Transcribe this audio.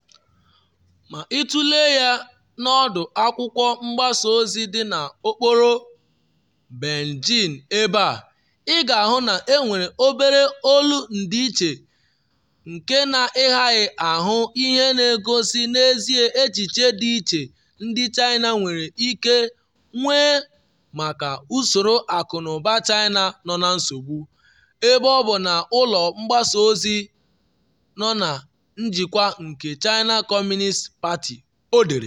“Ma ịtụlee ya n’ọdụ akwụkwọ mgbasa ozi dị n’okporo beijing ebe a, ịga ahụ na enwere obere olu ndịiche nke na ịghaghị ahụ ihe n’egosi n’ezie echiche di iche ndị China nwere ike nwee maka usoro akụnụba China nọ na nsogbu, ebe ọ bụ n’ụlọ mgbasa ozi nọ na njikwa nke China Communist Party,” ọ dere.